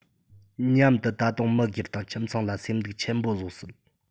མཉམ དུ ད དུང མི སྒེར དང ཁྱིམ ཚང ལ སེམས སྡུག ཆེན པོ བཟོ སྲིད